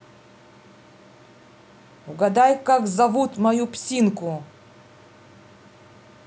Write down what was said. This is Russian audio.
угадай как зовут мою псинку